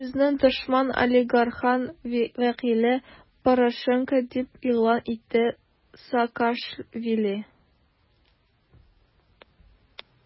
Безнең дошман - олигархат вәкиле Порошенко, - дип игълан итте Саакашвили.